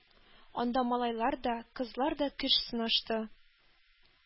Анда малайлар да, кызлар да көч сынашты.